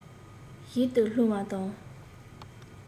ཞིག ཏུ ལྷུང བ དང